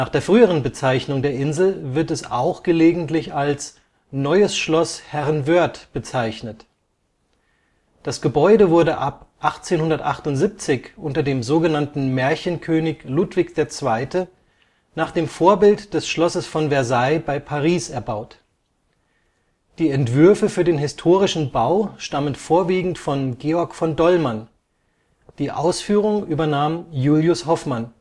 der früheren Bezeichnung der Insel wird es auch gelegentlich als Neues Schloss Herrenwörth bezeichnet. Das Gebäude wurde ab 1878 unter dem sogenannten Märchenkönig Ludwig II. nach dem Vorbild des Schlosses von Versailles bei Paris erbaut. Die Entwürfe für den historistischen Bau stammen vorwiegend von Georg von Dollmann, die Ausführung übernahm Julius Hofmann